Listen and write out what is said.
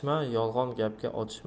yolg'on gapga qotishma